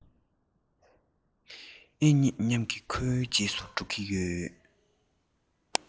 ཨེ རྙེད སྙམ གྱིན ཁོའི རྗེས སུ འགྲོ གི ཡོད